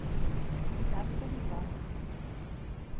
гарден два